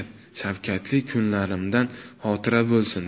shavkatli kunlarimdan xotira bo'lsin